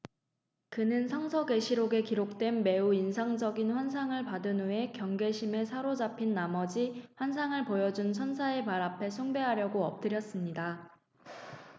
그는 성서 계시록에 기록된 매우 인상적인 환상을 받은 후에 경외심에 사로잡힌 나머지 환상을 보여 준 천사의 발 앞에 숭배하려고 엎드렸습니다